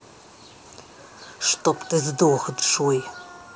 чтобы ты сдох джой